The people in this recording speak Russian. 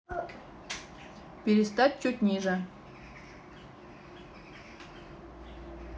перестать чуть ниже